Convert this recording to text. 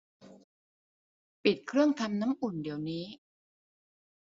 ปิดเครื่องทำน้ำอุ่นเดี๋ยวนี้